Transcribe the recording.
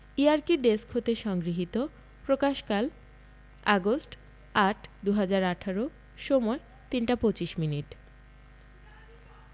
ই আরকি ডেস্ক হতে সংগৃহীত প্রকাশকাল আগস্ট ০৮ ২০১৮ সময় ৩টা ২৫ মিনিট